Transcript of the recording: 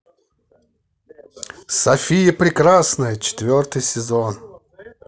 софия прекрасная четвертый сезон